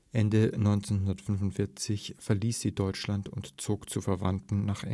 Ende 1945 verließ sie Deutschland und zog zu Verwandten nach